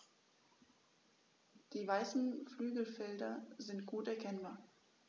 Die weißen Flügelfelder sind gut erkennbar.